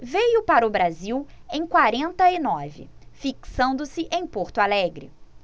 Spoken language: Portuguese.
veio para o brasil em quarenta e nove fixando-se em porto alegre